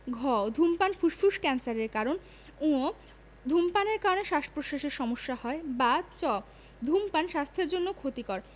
ঘ ধূমপান ফুসফুস ক্যান্সারের কারণ ঙ ধূমপানের কারণে শ্বাসপ্রশ্বাসের সমস্যা হয় বা চ ধূমপান স্বাস্থ্যের জন্য ক্ষতিকর